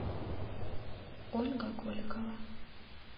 ольга голикова